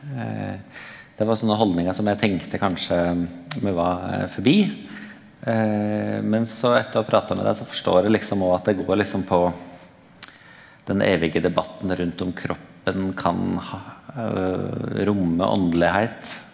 det var sånne haldningar som eg tenkte kanskje me var forbi men så etter å ha prata med dei så forstår eg liksom òg at det går liksom på den evige debatten rundt om kroppen kan ha romme åndelegheit.